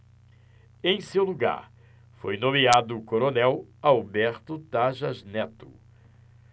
em seu lugar foi nomeado o coronel alberto tarjas neto